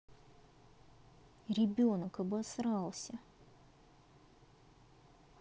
ребенок обосрался